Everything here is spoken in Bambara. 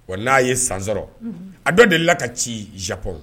Wa n'a ye sansɔrɔ a dɔ de la ka ciiap